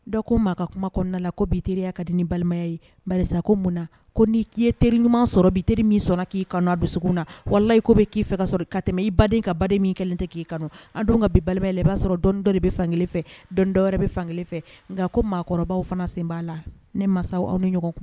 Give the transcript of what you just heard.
Ko maa ka kuma kɔnɔna la ko bi teriya ka di ni balimaya bali ko mun na ko nii k'i ye teri ɲuman sɔrɔ bi teri min sɔnna k'i ka dusu sigi na wala i ko bɛ k'i fɛ ka sɔrɔ ka tɛmɛ i baden ka baden min kɛ tɛ k'i kanu an don ka bi balimaɛlɛ i b'a sɔrɔ dɔndɔ de bɛ fankelen fɛ dɔndɔ yɛrɛ bɛ fankelen fɛ nka ko maakɔrɔbaw fana sen b'a la ne masa aw ni ɲɔgɔn